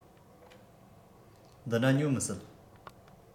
འདི འདྲ ཉོ མི སྲིད